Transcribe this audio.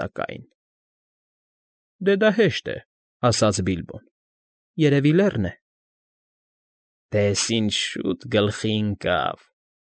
Սակայն։ ֊ Դե դա հեշտ է,֊ ասաց Բիլբոն։֊ Երևի լեռն է։ ֊ Տես֊ս ինչ֊չ֊չ շ֊շ֊շուտ գլխի ըն֊կավ։